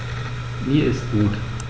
Mir ist gut.